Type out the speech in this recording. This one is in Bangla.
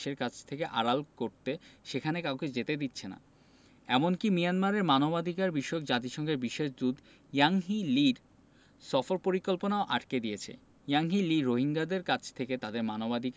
মিয়ানমার রাখাইন রাজ্য পরিস্থিতি বিশ্বের কাছ থেকে আড়াল করতে সেখানে কাউকে যেতে দিচ্ছে না এমনকি মিয়ানমারে মানবাধিকারবিষয়ক জাতিসংঘের বিশেষ দূত ইয়াংহি লির সফর পরিকল্পনাও আটকে দিয়েছে